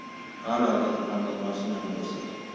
ana dedi hamdam mashinani ko'rsatib